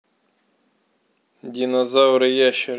динозавры ящеры